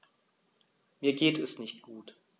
Mir geht es nicht gut.